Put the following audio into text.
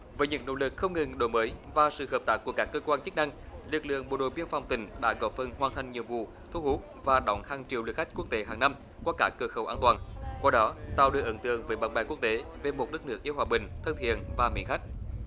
với những nỗ lực không ngừng đổi mới và sự hợp tác của các cơ quan chức năng lực lượng bộ đội biên phòng tỉnh đã góp phần hoàn thành nhiệm vụ thu hút và đón hàng triệu lượt khách quốc tế hằng năm qua các cửa khẩu an toàn qua đó tạo được ấn tượng với bạn bè quốc tế về một đất nước yêu hòa bình thân thiện và mến khách